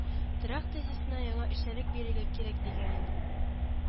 Торак тезисына яңа эчтәлек бирергә кирәк, дигән иде